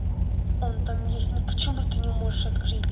он там есть ну почему ты не можешь открыть